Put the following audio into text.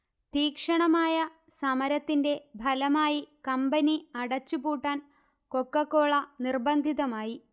തീക്ഷണമായ സമരത്തിന്റെ ഫലമായി കമ്പനി അടച്ചുപൂട്ടാൻ കൊക്കക്കോള നിർബന്ധിതമായി